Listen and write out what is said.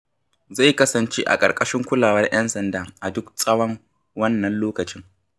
Zai kasance a ƙarƙashin kulawar 'yan sanda a duk tsawon wannan lokacin.